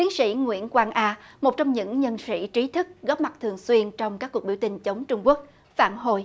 tiến sĩ nguyễn quang a một trong những nhân sĩ trí thức góp mặt thường xuyên trong các cuộc biểu tình chống trung quốc phản hồi